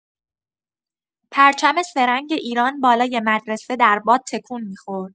پرچم سه‌رنگ ایران بالای مدرسه در باد تکون می‌خورد.